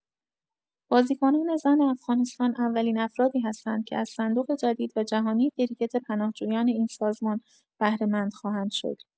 بازیکنان زن افغانستان اولین افرادی هستند که از صندوق جدید و جهانی کریکت پناهجویان این سازمان بهره‌مند خواهند شد.